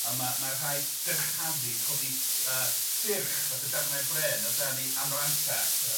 A ma' ma' rhaid dyrchafu codi ff- yy ffyrch fatha darnau bren o dan 'i amranta. Ia.